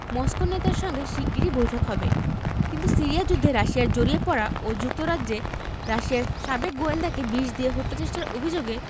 Moscow নেতার সঙ্গে শিগগিরই বৈঠক হবে কিন্তু সিরিয়া যুদ্ধে রাশিয়ার জড়িয়ে পড়া ও যুক্তরাজ্যে রাশিয়ার সাবেক গোয়েন্দাকে বিষ দিয়ে হত্যাচেষ্টার অভিযোগে